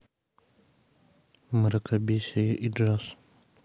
мракобесие и джаз